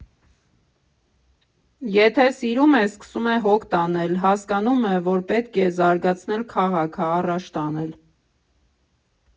Եթե սիրում է, սկսում է հոգ տանել, հասկանում է, որ պետք է զարգացնել քաղաքը, առաջ տանել։